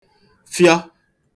fịọ